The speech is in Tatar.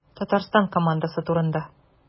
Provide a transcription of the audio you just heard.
Татарстан командасы турында.